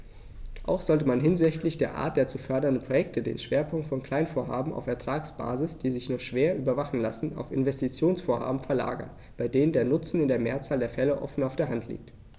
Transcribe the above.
Auch sollte man hinsichtlich der Art der zu fördernden Projekte den Schwerpunkt von Kleinvorhaben auf Ertragsbasis, die sich nur schwer überwachen lassen, auf Investitionsvorhaben verlagern, bei denen der Nutzen in der Mehrzahl der Fälle offen auf der Hand liegt.